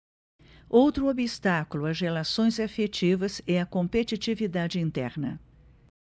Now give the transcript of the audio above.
outro obstáculo às relações afetivas é a competitividade interna